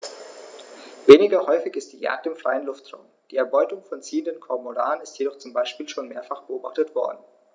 Weniger häufig ist die Jagd im freien Luftraum; die Erbeutung von ziehenden Kormoranen ist jedoch zum Beispiel schon mehrfach beobachtet worden.